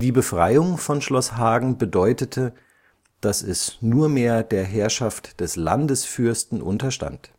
Befreiung von Schloss Hagen bedeutete, dass es nur mehr der Herrschaft des Landesfürsten unterstand